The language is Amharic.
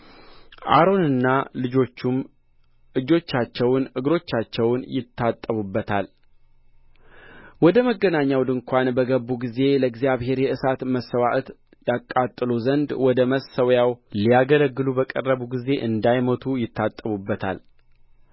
አሮንና ልጆቹም እጆቻቸውንና እግሮቻቸውን ይታጠቡበታል ወደ መገናኛው ድንኳን በገቡ ጊዜ ለእግዚአብሔርም የእሳት መስዋዕት ያቃጥሉ ዘንድ ወደ መሠዊያው ሊያገለግሉ በቀረቡ ጊዜ እንዳይሞቱ ይታጠቡበታል